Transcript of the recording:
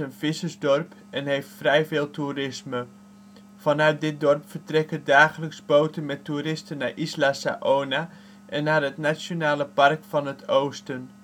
vissersdorp en heeft vrij veel toerisme. Vanuit dit dorp vertrekken dagelijks boten met toeristen naar Isla Saona en naar het " Nationale park van het oosten